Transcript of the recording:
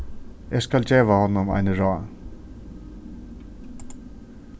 eg skal geva honum eini ráð